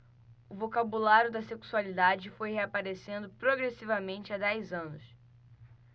o vocabulário da sexualidade foi reaparecendo progressivamente há dez anos